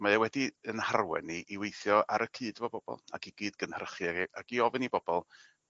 Mae o wedi 'yn harwen ni i weithio ar y cyd efo bobol, ac i gyd gynhyrchu ag i ag i ofyn i bobol